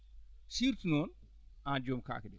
surtout noon aan joom kaake ɗe